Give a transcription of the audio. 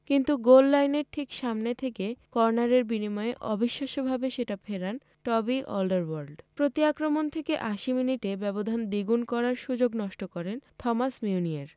কিন্তু গোললাইনের ঠিক সামনে থেকে কর্নারের বিনিময়ে অবিশ্বাস্যভাবে সেটা ফেরান টবি অলডারওয়ার্ল্ড প্রতি আক্রমণ থেকে ৮০ মিনিটে ব্যবধান দ্বিগুণ করার সুযোগ নষ্ট করেন থমাস মিউনিয়ের